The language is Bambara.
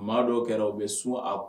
Maa dɔw kɛra u bɛ sun a